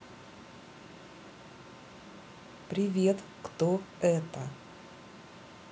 привет кто это